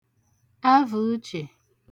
avàuchè